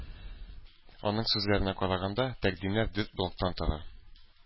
Аның сүзләренә караганда, тәкъдимнәр дүрт блоктан тора.